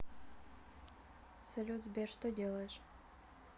салют сбер что делаешь